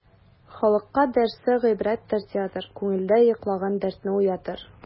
Халыкка дәрсе гыйбрәттер театр, күңелдә йоклаган дәртне уятыр.